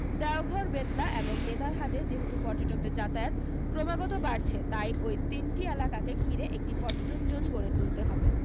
দেওঘর বেতলা এবং নেতারহাটে যেহেতু পর্যটকদের যাতায়াত ক্রমাগত বাড়ছে তাই ওই তিনটি এলাকাকে ঘিরে একটি পর্যটন জোন গড়ে তুলতে হবে